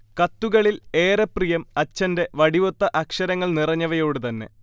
കത്തുകളിൽ ഏറെ പ്രിയം അച്ഛന്റെ വടിവൊത്ത അക്ഷരങ്ങൾ നിറഞ്ഞവയോട് തന്നെ